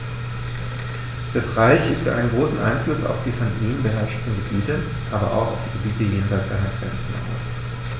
Das Reich übte einen großen Einfluss auf die von ihm beherrschten Gebiete, aber auch auf die Gebiete jenseits seiner Grenzen aus.